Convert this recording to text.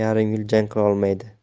yarim yil jang qila olmaydi